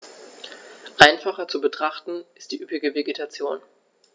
Einfacher zu betrachten ist die üppige Vegetation.